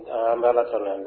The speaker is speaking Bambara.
An'sa